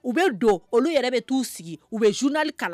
U bɛ don olu yɛrɛ bɛ t'u sigi u bɛ journal kala